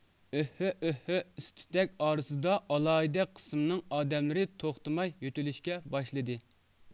ئۆھھۆ ئۆھھۆ ئىس تۈتەك ئارىسىدا ئالاھىدە قىسمىنىڭ ئادەملىرى توختىماي يۆتىلىشكە باشلىدى